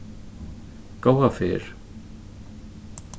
góða ferð